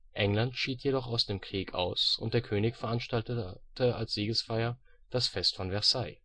England schied jedoch aus dem Krieg aus und der König veranstaltete als Siegesfeier das „ Fest von Versailles